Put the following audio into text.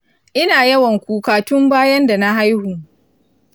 ina yawan kuka tun bayan dana haihu